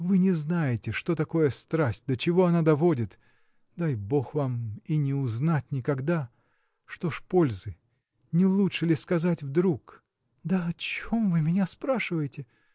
Вы не знаете, что такое страсть, до чего она доводит! дай бог вам и не узнать никогда!. Что ж пользы? не лучше ли сказать вдруг? – Да о чем вы меня спрашиваете?